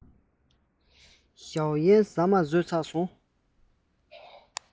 ཞའོ གཡན ཁ ལག བཟས སོང ངས